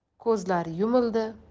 ko'zlar yumildi